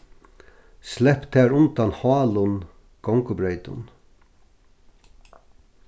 slepp tær undan hálum gongubreytum